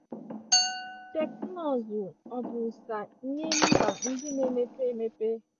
Tekụnụzụ ọ̀ bụ ụsa nye mba ndị na-emepe emepe?